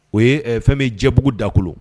O ye fɛn bɛ jɛbugu dakolo